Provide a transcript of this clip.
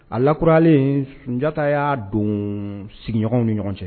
A lakuralen sunjatajatata y'a don sigiɲɔgɔnw ni ɲɔgɔn cɛ